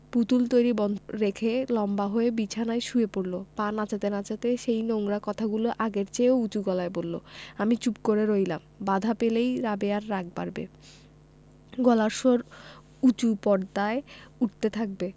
পুতুল তৈরী বন্ধ রেখে লম্বা হয়ে বিছানায় শুয়ে পড়লো পা নাচাতে নাচাতে সেই নোংরা কথাগুলি আগের চেয়েও উচু গলায় বললো আমি চুপ করে রইলাম বাধা পেলেই রাবেয়ার রাগ বাড়বে গলার স্বর উচু পর্দায় উঠতে থাকবে